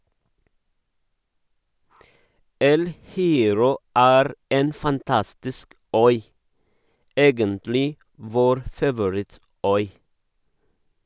El Hierro er en fantastisk øy (egentlig vår favorittøy!).